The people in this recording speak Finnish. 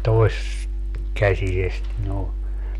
- toiskäsisestä noin